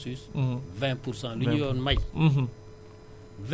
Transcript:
loolu nag ñun ñu ngi ko xayma rekk ci consensus